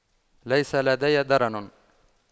ليس لدي درن